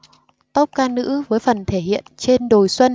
top ca nữ với phần thể hiện trên đồi xuân